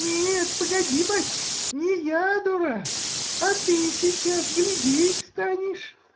— Нет, погоди, бачка,— не я дурак, а ты сейчас глядеть станешь.